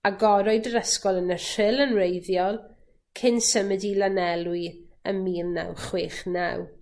agorwyd yr ysgol yn y Rhyl yn wreiddiol cyn symud i Lanelwy ym mil naw chwech naw.